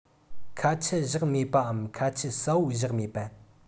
ཁ ཆད བཞག མེད པའམ ཁ ཆད གསལ པོ བཞག མེད པ